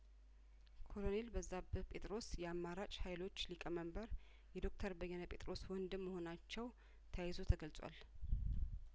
ኮሎኔል በዛብህ ጴጥሮስ የአማራጭ ሀይሎች ሊቀመንበር የዶክተር በየነ ጴጥሮስ ወንድም መሆናቸው ተያይዞ ተገልጿል